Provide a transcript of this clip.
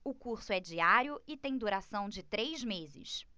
o curso é diário e tem duração de três meses